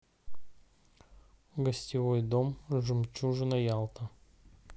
гостевой дом жемчужина ялта